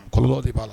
Kɔlɔlɔ de b'a la